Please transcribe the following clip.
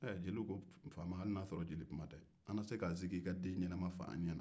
jeliw ko faama hli n'a y'a sɔrɔ jelikuma tɛ an na se k'an sigi i ka den ɲɛnama faa an ɲɛna